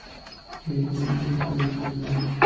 lekin to'y bo'lmadi